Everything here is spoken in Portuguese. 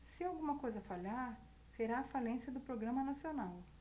se alguma coisa falhar será a falência do programa nacional